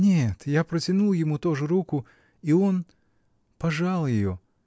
Нет, я протянула ему тоже руку, и он. пожал ее!